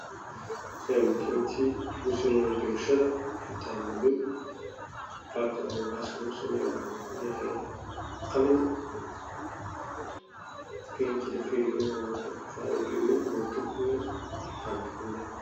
Waa sawir xayeysiis waana makiinad wax lagu qariyo midabkeedu yahay madow